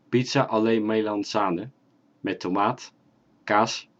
Pizza alle Melanzane (tomaat, kaas